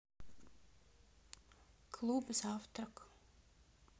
клуб завтрак